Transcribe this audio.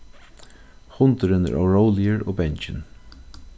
hundurin er óróligur og bangin